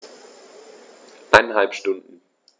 Eineinhalb Stunden